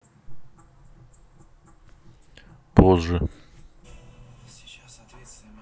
позже